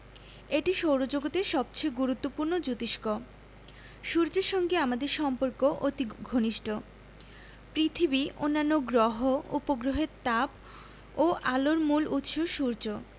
এটি সৌরজগতের সবচেয়ে গুরুত্বপূর্ণ জোতিষ্ক সূর্যের সঙ্গে আমাদের সম্পর্ক অতি ঘনিষ্ট পৃথিবী অন্যান্য গ্রহ উপগ্রহের তাপ ও আলোর মূল উৎস সূর্য